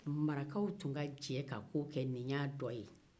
marakaw tun ka jɛ ka ko kɛ ni y'a dɔ ye